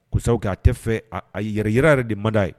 K'o sababu kɛ a tɛ fɛ yɛrɛ jira yɛrɛ de man d'a ye